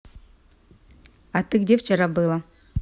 а ты где вчера было